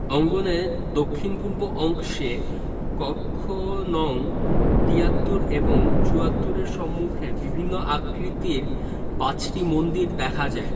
অঙ্গনের দক্ষিণ পূর্ব অংশে কক্ষ নং ৭৩ এবং ৭৪ এর সম্মুখে বিভিন্ন আকৃতির ৫টি মন্দির দেখা যায়